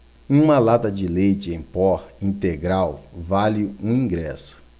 uma lata de leite em pó integral vale um ingresso